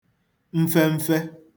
mfemfe